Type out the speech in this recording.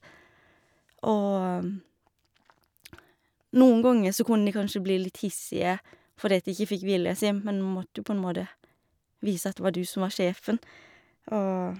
Og noen ganger så kunne de kanskje bli litt hissige fordi at de ikke fikk viljen si, men en måtte jo på en måte vise at det var du som var sjefen, og...